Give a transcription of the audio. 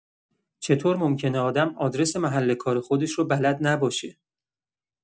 چطور ممکنه آدم آدرس محل کار خودش رو بلد نباشه؟